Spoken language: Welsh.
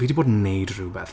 Fi 'di bod yn wneud rhywbeth.